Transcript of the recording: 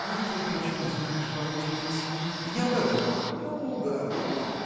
— А ты почем знаешь бабушкины сны? — Я угадаю. — Ну, угадывай.